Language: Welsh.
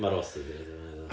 ma'r author 'di neud o fyny do